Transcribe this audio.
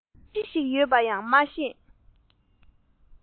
འབྲེལ བ ཅི ཞིག ཡོད པ ཡང མ ཤེས